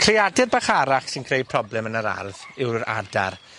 Creadur bach arall sy'n creu problem yn yr ardd yw'r adar.